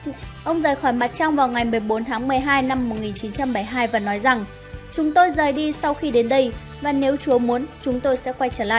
ông rời khỏi mặt trăng vào ngày tháng năm và nói rằng chúng tôi rời đi sau khi đến đây và nếu chúa muốn chúng tôi sẽ quay trở lại